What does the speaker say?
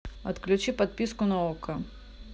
отключи подписку на окко